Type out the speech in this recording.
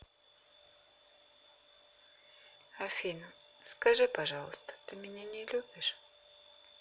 афина скажи пожалуйста ты меня не любишь